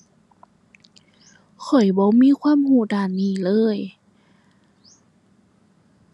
ข้อยบ่มีความรู้ด้านนี้เลย